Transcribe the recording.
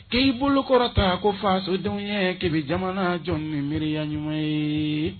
K'i bolokɔrɔta ko fasɔdenw kɛmɛ bɛ jamana jɔn nibereya ɲuman ye